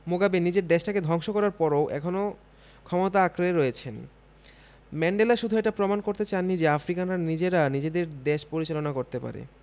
নিজের দেশটাকে ধ্বংস করার পরও এখনো ক্ষমতা আঁকড়ে রয়েছেন ম্যান্ডেলা শুধু এটা প্রমাণ করতে চাননি যে আফ্রিকানরা নিজেরা নিজেদের দেশ পরিচালনা করতে পারে